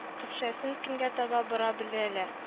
Көпшәсен кемгә таба бора белерләр